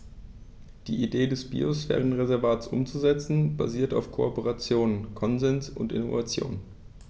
Die Idee des Biosphärenreservates umzusetzen, basiert auf Kooperation, Konsens und Innovation.